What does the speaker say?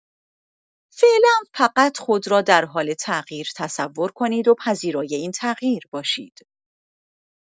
فعلا فقط خود را در حال تغییر تصور کنید و پذیرای این تغییر باشید.